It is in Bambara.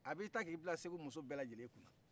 a b'i ta k'i bila segu muso bɛɛ lajɛlen kunna